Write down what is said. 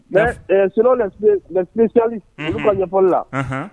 Mais ɛɛ selon les spé les spécialistes unhun olu ka ɲɛfɔli la anhan